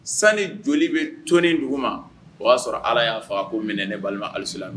Sanni joli bɛ toɔni dugu ma o y'a sɔrɔ ala y'a fɔ a ko minɛ ne balima alisi